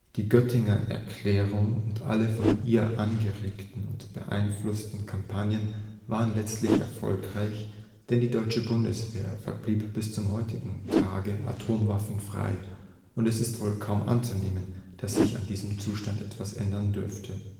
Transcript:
Die Göttinger Erklärung und alle von ihr angeregten und beeinflussten Kampagnen waren letztendlich erfolgreich, denn die deutsche Bundeswehr verblieb bis zum heutigen Tage atomwaffenfrei, und es ist wohl kaum anzunehmen, dass sich an diesem Zustand etwas ändern dürfte